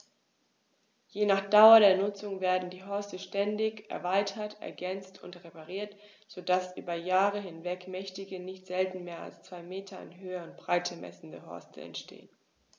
Je nach Dauer der Nutzung werden die Horste ständig erweitert, ergänzt und repariert, so dass über Jahre hinweg mächtige, nicht selten mehr als zwei Meter in Höhe und Breite messende Horste entstehen.